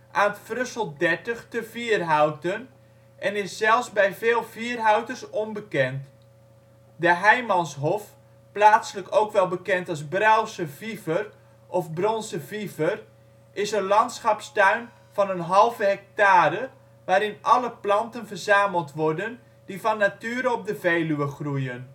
Frusselt 30 te Vierhouten en is zelfs bij veel Vierhouters onbekend. De Heimanshof, plaatselijk ook wel bekend als Bruilse Viever of Bronse Viever, is een landschapstuin van 1/2 hectare waarin alle planten verzameld worden die van nature op de Veluwe groeien